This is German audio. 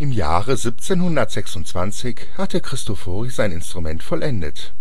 Jahre 1726 hatte Christofori sein Instrument vollendet